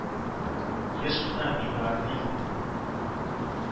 Еш кына мин ракны иңдем